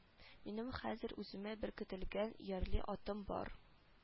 Минем хәзер үземә беркетелгән иярле атым бар